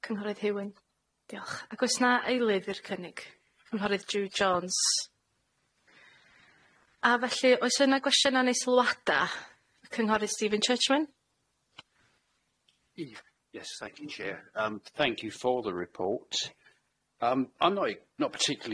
A dwi'n cau'r bleidlais.